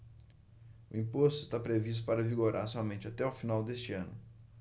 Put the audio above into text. o imposto está previsto para vigorar somente até o final deste ano